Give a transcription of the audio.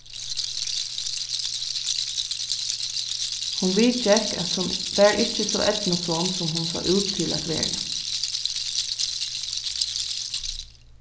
hon viðgekk at hon var ikki so eydnusom sum hon sá út til at vera